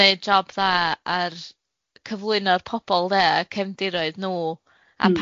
neud job dda ar cyflwyno'r pobol 'de a cefndiroedd nw